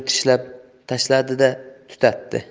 tishlab tashladi da tutatdi